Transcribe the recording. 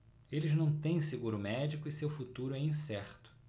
eles não têm seguro médico e seu futuro é incerto